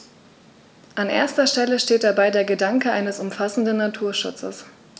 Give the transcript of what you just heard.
An erster Stelle steht dabei der Gedanke eines umfassenden Naturschutzes.